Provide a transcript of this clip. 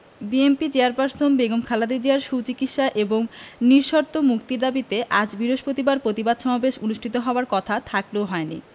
BNP chairperson Begum Khaleda জিয়ার সুচিকিৎসা এবং নিঃশর্ত মুক্তির দাবিতে আজ বিরস্পতিবার পতিবাদ সমাবেশ অনুষ্ঠিত হবার কথা থাকলেও হয়নি